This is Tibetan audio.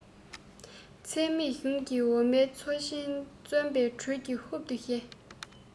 ཚད མེད གཞུང ཀྱི འོ མའི མཚོ ཆེན བརྩོན པའི འགྲོས ཀྱིས ཧུབ ཏུ བཞེས